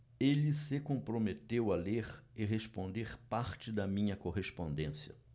ele se comprometeu a ler e responder parte da minha correspondência